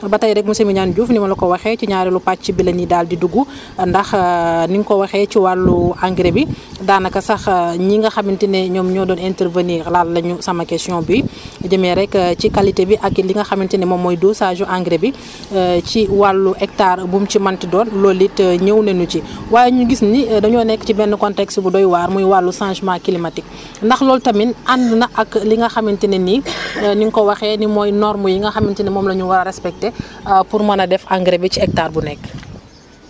ba tey rek monsieur Mignane Diouf ni ma la ko waxeeci ñaareelu pàcc bi la ñuy daal di dugg ndax ni nga ko waxee ci wàllu engrais bi daanaka sax ñi nga xamante ne ñoom ñoo doon intervenir laal nañu sama question bi jëmee rek ci qualité bi ak li nga xamante ne moom mooy dosage engrais bi ci wàllu hectyare bu mu ci mënti doon loolu it ñëw nañu ci waaye ñu gis ni dañoo nekk ci benn contexte bu doy waar muy wàllu changement climatique ndax loolu tamit ànd na ak li nga xamante ne ni ni nga ko waxee ni mooy normes yi nga xamante ne moom la ñu war a respecté pour mën a def engrais bi ci hectare bu nekk